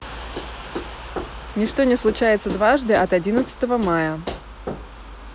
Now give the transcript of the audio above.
ничто не случается дважды от одиннадцатого мая